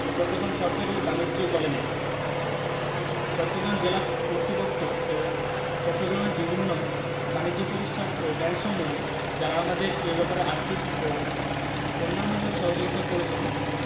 চট্টগ্রাম সরকারি বাণিজ্য কলেজের চট্টগ্রাম জেলা কর্তৃপক্ষ ও চট্টগ্রামের বিভিন্ন বানিজ্য প্রতিষ্ঠান ও ব্যাংকসমূহ যারা আমাদের এ ব্যাপারে আর্থিক এবং অন্যান্যভাবে সহযোগিতা করেছেন